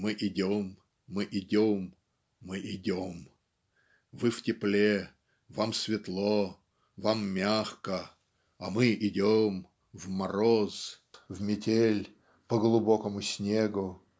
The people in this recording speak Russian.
"Мы идем, мы идем, мы идем. Вы в тепле вам светло вам мягко а мы идем в мороз в метель по глубокому снегу.